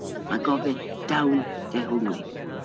Mae gofyn dawn dehongli.